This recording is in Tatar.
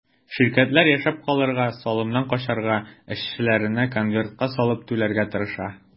Ширкәтләр яшәп калырга, салымнан качарга, эшчеләренә конвертка салып түләргә тырыша.